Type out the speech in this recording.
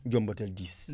jëmbatal 10